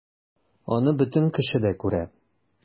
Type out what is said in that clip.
Аны бөтен кеше дә күрә...